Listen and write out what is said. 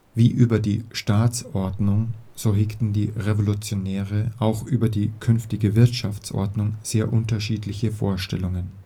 Wie über die Staatsordnung, so hegten die Revolutionäre auch über die künftige Wirtschaftsordnung sehr unterschiedliche Vorstellungen